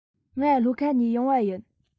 ང ལྷོ ཁ ནས ཡོང པ ཡིན